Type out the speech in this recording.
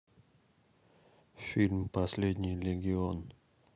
фильм последний легион